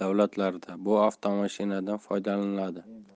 davlatlarida bu avtomashinadan foydalaniladi